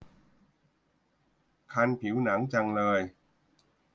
คันผิวหนังจังเลย